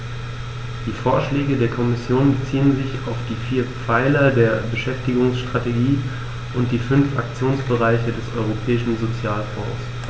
Die Vorschläge der Kommission beziehen sich auf die vier Pfeiler der Beschäftigungsstrategie und die fünf Aktionsbereiche des Europäischen Sozialfonds.